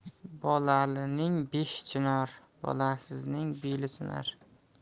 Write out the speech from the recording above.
bolalining beh chinor bolasizning beli sinar